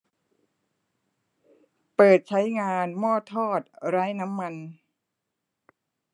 เปิดใช้งานหม้อทอดไร้น้ำมัน